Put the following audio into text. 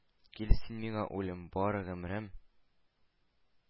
Кил син миңа, үлем, бары гомрем